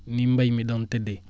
ni mbéy mi doon tëddee